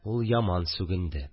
– ул яман сүгенде